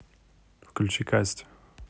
включи касти